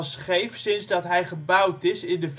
scheef sindsdat hij gebouwd is in de